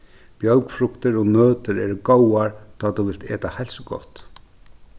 bjølgfruktir og nøtir eru góðar tá tú vilt eta heilsugott